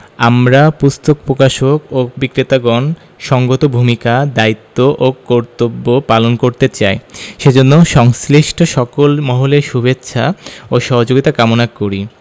আমরা পুস্তক প্রকাশক ও বিক্রেতাগণ সঙ্গত ভূমিকা দায়িত্ব ও কর্তব্য পালন করতে চাই সেজন্য সংশ্লিষ্ট সকল মহলের শুভেচ্ছা ও সহযোগিতা কামনা করি